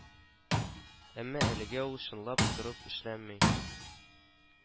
Әмма әлегә ул чынлап торып эшләми